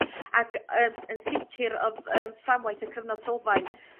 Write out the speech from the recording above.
Ac yym yn sicir odd yym fframwaith y cyfnod sylfaen